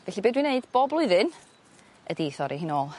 Felly be' dwi'n neud bob blwyddyn ydi 'i thorri hi nôl.